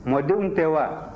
mɔdenw tɛ wa